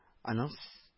Аның сс